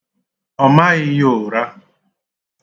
Ọ maghị ya ụra.